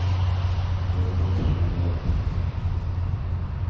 вернуться назад